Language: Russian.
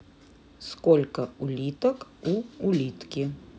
сколько улиток у улитки